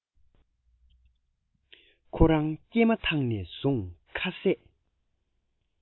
ཁོ རང སྐྱེས མ ཐག ནས བཟུང ཁ ཟས